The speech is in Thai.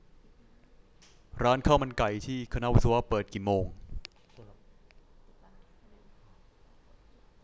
ร้านข้าวมันไก่ที่คณะวิศวะเปิดกี่โมง